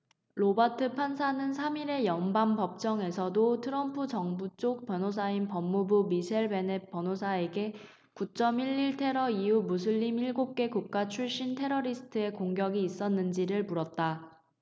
로바트 판사는 삼 일의 연방법정에서도 트럼프 정부쪽 변호사인 법무부의 미셀 베넷 변호사에게 구 쩜 일 일 테러 이후 무슬림 일곱 개국가 출신 테러리스트의 공격이 있었는지를 물었다